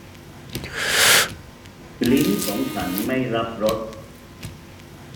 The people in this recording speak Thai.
ลิ้นของฉันไม่รับรส